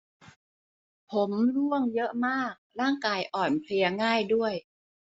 ผมร่วงเยอะมากร่างกายอ่อนเพลียง่ายด้วย